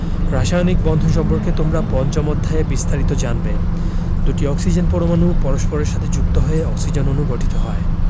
রাসায়নিক বন্ধন সম্পর্কে তোমরা পঞ্চম অধ্যায়ে বিস্তারিত জানবে দুটি অক্সিজেন পরমাণু পরস্পরের সাথে যুক্ত হয়ে অক্সিজেন অণু গঠিত হয়